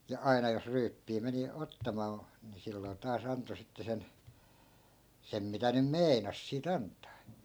ja aina jos ryyppyä meni ottamaan niin silloin taas antoi sitten sen sen mitä nyt meinasi siitä antaa